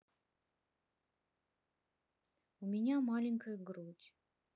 у меня маленькая грудь